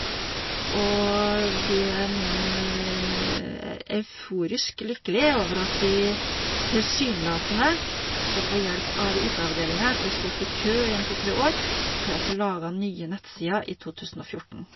Og vi er nå euforisk lykkelig over at vi tilsynelatende skal få hjelp av IT-avdelinga etter å ha stått i kø i en to tre år, til å få laga nye nettsider i to tusen og fjorten.